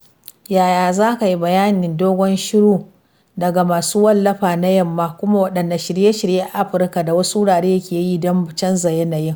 Yaya za kai bayanin dogon shiru daga masu wallafa na Yamma, kuma waɗanne shirye-shirye a Afirka da wasu wurare ke yin don canza yanayin?